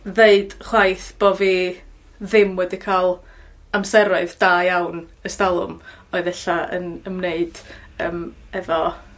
ddeud chwaith bo' fi ddim wedi ca'l amseroedd da iawn e's dalwm oedd ella yn ymwneud yym efo